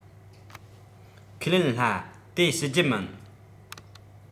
ཁས ལེན སླ དེ བཤད རྒྱུ མིན